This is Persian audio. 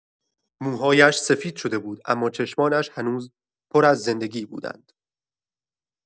موهایش سفید شده بود، اما چشمانش هنوز پر از زندگی بودند.